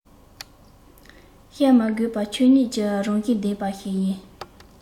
བཤད མ དགོས པར ཆོས ཉིད ཀྱི རང བཞིན ལྡན པ ཞིག ཡིན